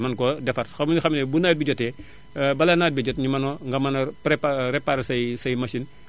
mën koo defar xam ne xam ne bu nawet bi jotee balaa nawet bee jot nge mën a nga mën a prépa réparé say say machines